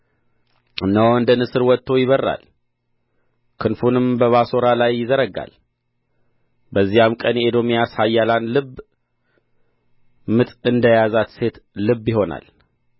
እነሆ እንደ ንስር ወጥቶ ይበራል ክንፉንም በባሶራ ላይ ይዘረጋል በዚያም ቀን የኤዶምያስ ኃያላን ልብ ምጥ እንደ ያዛት ሴት ልብ ይሆናል